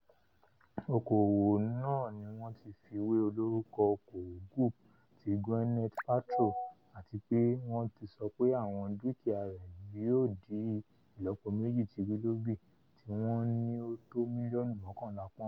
Oko-òwò náà ni wọ́n ti fiwé olorúkọ Oko-òwò Goop ti Gwyneth Paltrow àtipé wọ́n ti sọ pé àwọn dúkìá rẹ̀ yóò di ìlọ́po méjì ti Willoughby tí wọ́n ní ó tó mílíọ̀nù mọ́kànlá pọ́ùn.